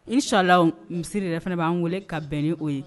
I shla misisiriri de fana b'an wele ka bɛn n ni oo ye